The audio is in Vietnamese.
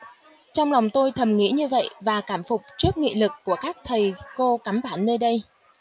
trong lòng tôi thầm nghĩ vậy và cảm phục trước nghị lực của các thầy cô cắm bản nơi đây